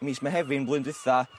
mis Mehefin blwy'n dwitha